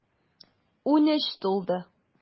Унөч тулды.